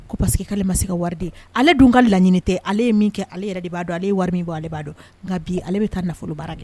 Ko parce que k' ma se ka wariden ale dun ka laɲini tɛ ale ye min kɛ ale yɛrɛ de b' dɔn ale ye wari min bɔ ale b'a dɔn nka bi ale bɛ taa nafolo baara kɛ